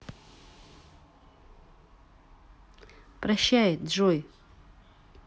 прощай джой